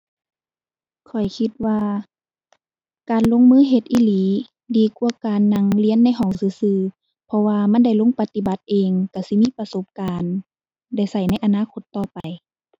ข้อยคิดว่าการลงมือเฮ็ดอีหลีดีกว่าการนั่งเรียนในห้องซื่อซื่อ เพราะว่ามันได้ลงปฏิบัติเอง ก็สิมีประสบการณ์ ได้ก็ในอนาคตต่อไป